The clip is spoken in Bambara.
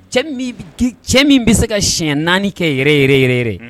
Cɛ min bɛ se ka siɛn naani kɛ yɛrɛ yɛrɛ